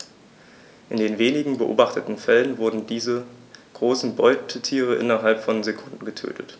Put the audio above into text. In den wenigen beobachteten Fällen wurden diese großen Beutetiere innerhalb von Sekunden getötet.